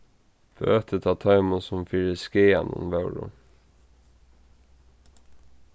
bøtið tá teimum sum fyri skaðanum vóru